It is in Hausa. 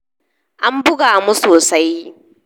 An buga mu sosai